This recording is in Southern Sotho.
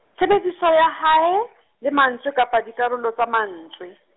tshebediso ya hae , le mantswe kapa dikarolo tsa mantswe.